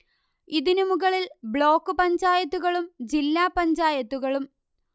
ഇതിനു മുകളിൽ ബ്ലോക്ക് പഞ്ചായത്തുകളും ജില്ലാപഞ്ചായത്തുകളും